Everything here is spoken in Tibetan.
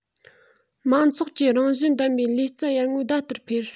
མང ཚོགས ཀྱི རང བཞིན ལྡན པའི ལུས རྩལ ཡར ངོའི ཟླ ལྟར འཕེལ